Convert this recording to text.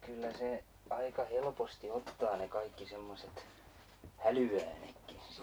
kyllä se aika helposti ottaa ne kaikki semmoiset hälyäänetkin sinne